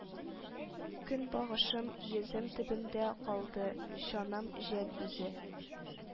– көнбагышым езем төбендә калды, чанам жәл, үзе